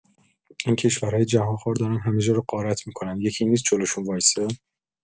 این کشورهای جهانخوار دارن همه‌جا رو غارت می‌کنن، یکی نیست جلوشون وایسه؟